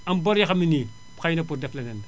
am bor yoo xam ne nii xëy na pour def leneen la